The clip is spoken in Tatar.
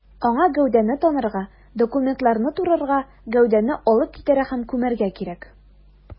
Аңа гәүдәне танырга, документларны турырга, гәүдәне алып китәргә һәм күмәргә кирәк.